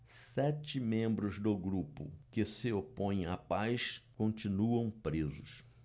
sete membros do grupo que se opõe à paz continuam presos